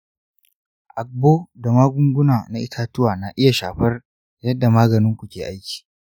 agbo da magunguna na itatuwa na iya shafar yadda maganin ku ke aiki.